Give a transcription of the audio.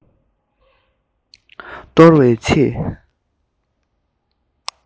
གཏོར བའི ཆེད